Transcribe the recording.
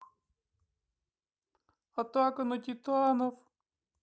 атака на титанов